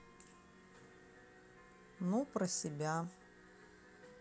ну про себя